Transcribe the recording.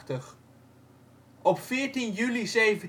in 1787. Op 14 juli 1787